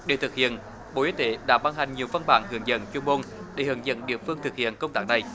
để thực hiện bộ y tế đã ban hành nhiều văn bản hướng dẫn chuyên môn để hướng dẫn địa phương thực hiện công tác này